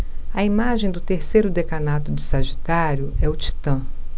a imagem do terceiro decanato de sagitário é o titã